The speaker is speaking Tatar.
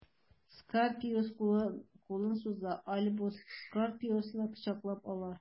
Скорпиус кулын суза, Альбус Скорпиусны кочаклап ала.